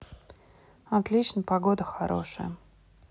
отлично погода хорошая